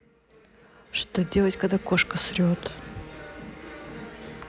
что делать когда кошка срет